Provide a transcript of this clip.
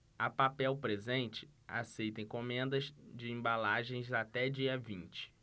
a papel presente aceita encomendas de embalagens até dia vinte